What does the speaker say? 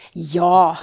ja.